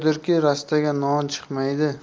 oydirki rastaga non chiqmaydi